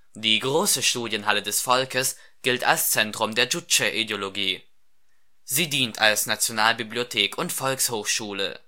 Die Große Studienhalle des Volkes gilt als Zentrum der Chuch’ e-Ideologie. Sie dient als Nationalbibliothek und Volkshochschule